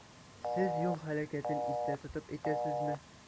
Сез юл һәлакәтен истә тотып әйтәсезме?